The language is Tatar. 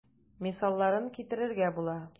Мисалларын китерергә була.